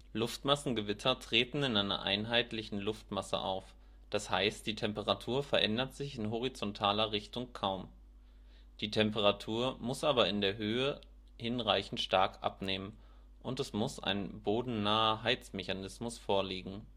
Luftmassengewitter treten in einer einheitlichen Luftmasse auf, d. h. die Temperatur verändert sich in horizontaler Richtung kaum. Die Temperatur muss aber mit der Höhe hinreichend stark abnehmen und es muss ein bodennaher Heizmechanismus vorliegen (thermische Auslösung). Man kann